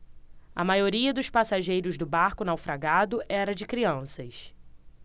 a maioria dos passageiros do barco naufragado era de crianças